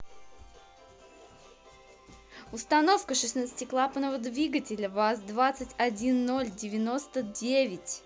установка шестнадцатиклапанного двигателя ваз двадцать один ноль девяносто девять